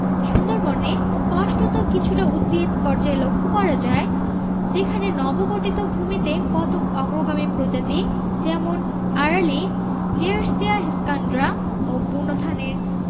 সুন্দরবনে স্পষ্টত কিছুটা উদ্ভিদ পর্যায় লক্ষ্য করা যায় যেখানে নবগঠিত ভূমিতে কতক অগ্রগামী প্রজাতি যেমন আরালি লিয়ার্সিয়া হেক্সান্ড্রা ও বুনো ধানের